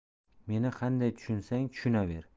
meni qanday tushunsang tushunaver